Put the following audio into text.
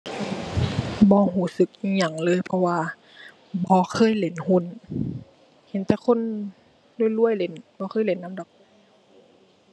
บ่รู้สึกอิหยังเลย เพราะว่าบ่เคยเล่นหุ้น เห็นแต่คนรวยรวยเล่น บ่เคยเล่นนำดอก